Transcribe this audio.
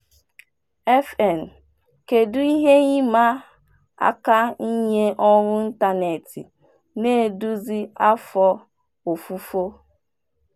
FN: Kedu ihe ịma aka nye ọrụ ịntanetị na-eduzi afọ ofufo?